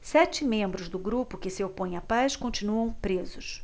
sete membros do grupo que se opõe à paz continuam presos